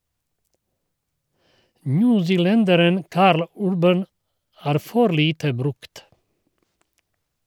Newzealenderen Karl Urban er for lite brukt.